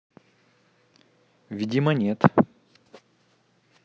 видимо нет